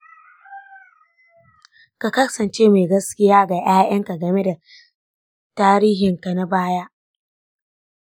ka kasance mai gaskiya ga ‘ya’yanka game da tarihinka na baya.